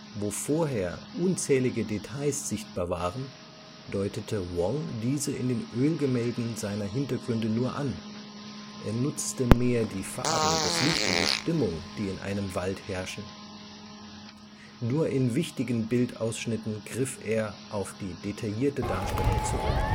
Wo vorher unzählige Details sichtbar waren, deutete Wong diese in den Ölgemälden seiner Hintergründe nur an, er nutzte mehr die Farben, das Licht und die Stimmung, die in einem Wald herrschen. Nur in wichtigen Bildausschnitten griff er auf die detaillierte Darstellung zurück